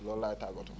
loolu laay tàggatoo